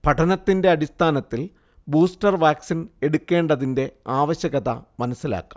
പഠനത്തിന്റെ അടിസ്ഥാനത്തിൽ booster vaccine എടുക്കേണ്ടതിന്റെ ആവശ്യകത മനസ്സിലാക്കാം